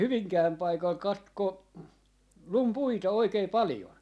Hyvinkään paikalla katkoi lumi puita oikein paljon